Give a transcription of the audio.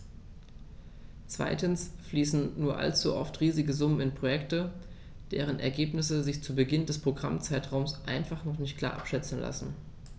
Zweitens fließen nur allzu oft riesige Summen in Projekte, deren Ergebnisse sich zu Beginn des Programmzeitraums einfach noch nicht klar abschätzen lassen.